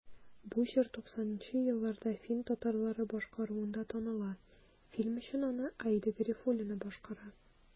Бу җыр 90 нчы елларда фин татарлары башкаруында таныла, фильм өчен аны Аида Гарифуллина башкара.